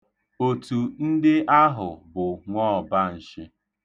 Otu ndị ahụ bụ nwọọbanshị.